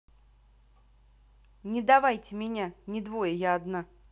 не давайте меня не двое я одна